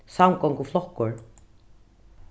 samgonguflokkur